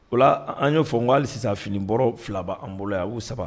Ola an y'o fɔ n ko hali sisan fili bɔrɔ fila ba b'an ka ko la yan ou saba.